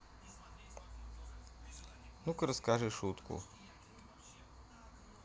ну ка расскажи шутку